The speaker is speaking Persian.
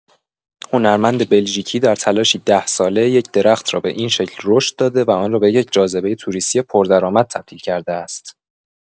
هنرمند بلژیکی در تلاشی ۱۰ ساله یک درخت را به این شکل رشد داده و آن را به یک جاذبه توریستی پردرآمد تبدیل کرده است.